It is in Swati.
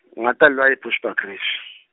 ngatalelwa e- Bushbuckridge.